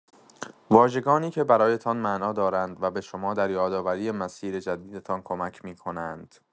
واژگانی که برایتان معنا دارند و به شما در یادآوری مسیر جدیدتان کمک می‌کنند.